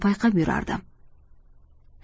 payqab yurardim